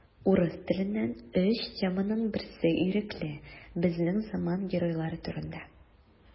Урыс теленнән өч теманың берсе ирекле: безнең заман геройлары турында.